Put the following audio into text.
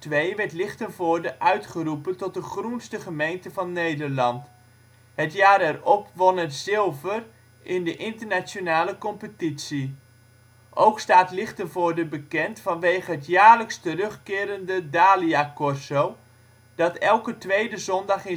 2002 werd Lichtenvoorde uitgeroepen tot ' De groenste gemeente van Nederland ', het jaar erop won het zilver in de internationale competitie. Ook staat Lichtenvoorde bekend vanwege het jaarlijks terugkerende dahliacorso dat elke tweede zondag